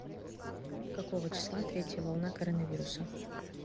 какого числа третья волна коронавируса